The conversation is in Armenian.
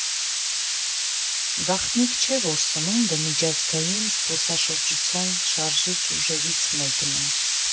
Գաղտնիք չէ, որ սնունդը միջազգային զբոսաշրջության շարժիչ ուժերից մեկն է։